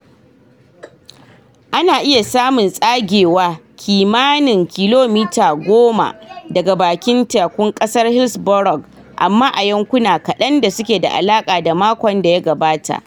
Ana iya samun tsagewa kimanin kilomita 10 daga bakin takun kasar Hillsborough, amma a yankuna kadan da suke da alaka da makon da ya gabata